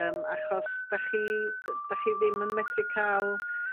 yym achos dach chi d- dach chi ddim yn medru ca'l